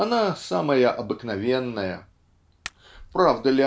Она - самая обыкновенная. Правда